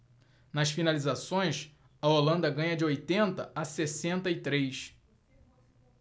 nas finalizações a holanda ganha de oitenta a sessenta e três